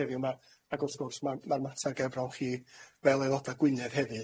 digwydd dwi falch bodach chi yn deud bodach chi yn ymgynghori